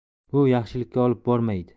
bu yaxshilikka olib bormaydi